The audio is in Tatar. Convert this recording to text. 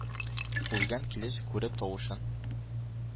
Үлгән килеш күреп тавышын.